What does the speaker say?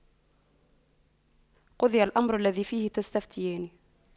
قُضِيَ الأَمرُ الَّذِي فِيهِ تَستَفِتيَانِ